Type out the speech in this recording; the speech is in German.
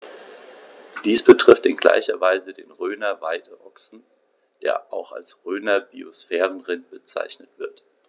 Dies betrifft in gleicher Weise den Rhöner Weideochsen, der auch als Rhöner Biosphärenrind bezeichnet wird.